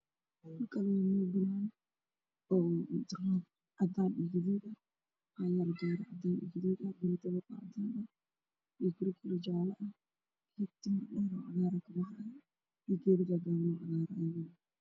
Meel banaan ah waxaa ii muuq guryo dabaq oo aada u dhaadheer oo horyaalo gaariyaal cadaan ah